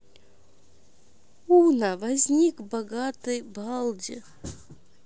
uno возник богатые балди